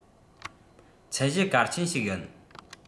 ཚད གཞི གལ ཆེན ཞིག ཡིན